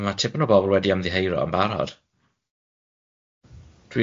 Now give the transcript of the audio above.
A mae tipyn o bobol wedi ymddiheuro yn barod.